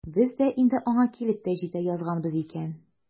Без инде аңа килеп тә җитә язганбыз икән.